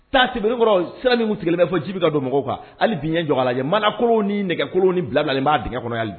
Takɔrɔ sira ni sigilen bɛ fɔ jibi ka don mɔgɔw kan hali bi jɔ manakolon ni nɛgɛkolon ni bilada b'a dgɛ kɔnɔ